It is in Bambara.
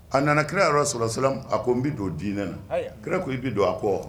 A nana kirayɔrɔ, sola laahu wa salam a ko n bɛ don diinɛ la, haya, kira ko k'i bɛ don wa, ako awɔ.